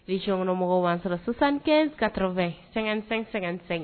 Région kɔnɔ mɔgɔw b'an sɔrɔ 75 80 55 55